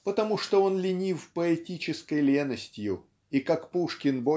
потому что он ленив поэтической леностью и как Пушкин